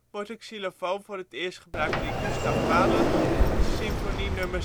wordt de xylofoon voor het eerst gebruikt in Gustav Mahler 's Symfonie Nr.